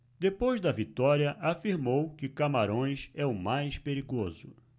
depois da vitória afirmou que camarões é o mais perigoso